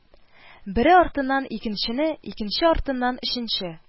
Бере артыннан икенчене, икенче артыннан өченче